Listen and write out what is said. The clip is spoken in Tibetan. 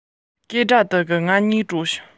ཟུར ཞིག ཏུ ཉལ དགོས བྱུང